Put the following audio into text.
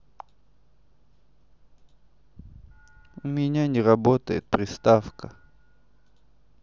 у меня не работает приставка